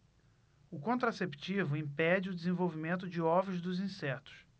o contraceptivo impede o desenvolvimento de ovos dos insetos